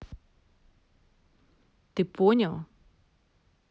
ты понял